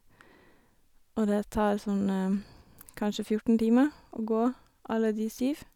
Og det tar sånn kanskje fjorten timer å gå alle de syv.